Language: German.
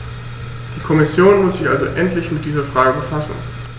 Die Kommission muss sich also endlich mit dieser Frage befassen.